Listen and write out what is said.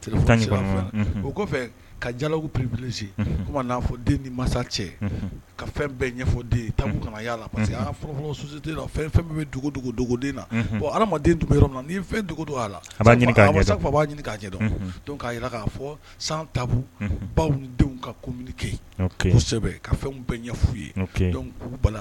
Kɔfɛ den masa cɛ ka fɛn bɛɛ ɲɛfɔden'a parcefɔlɔ susi fɛn fɛn bɛden naden bɛ yɔrɔ fɛn don la masa fa b'a ɲini k'a jɛ k' jira k'a fɔ san taabolo baw denw ka kɛsɛbɛ ka fɛn bɛɛ ɲɛfɔ ye bala